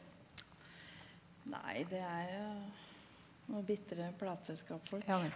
nei det er jo noen bitre plateselskapfolk.